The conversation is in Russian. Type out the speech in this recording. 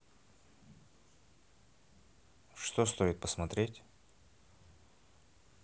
что стоит посмотреть